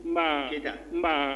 Nba tɛ taa nba